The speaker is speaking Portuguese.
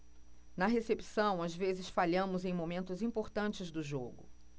na recepção às vezes falhamos em momentos importantes do jogo